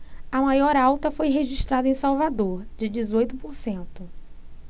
a maior alta foi registrada em salvador de dezoito por cento